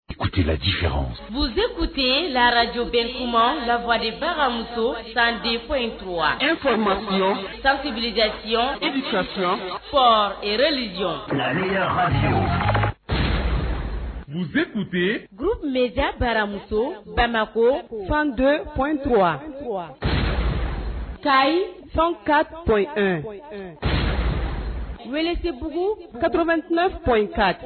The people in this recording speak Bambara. Zeku ten laraj bɛ kuma lawabagamuso san foyi intu ema sanbijay e bɛ sɔnti fɔ eli jɔ muze tɛ yen gjan baramuso banako fan don foyitu wa ka fɛn kaɔ wele sebugu katotuma p'